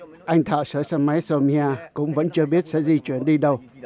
anh thợ sửa xe máy sô ni a cũng vẫn chưa biết sẽ di chuyển đi đâu